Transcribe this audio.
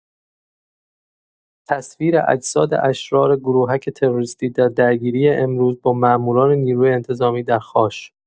تصویر اجساد اشرار گروهک تروریستی در درگیری امروز با ماموران نیروی انتظامی در خاش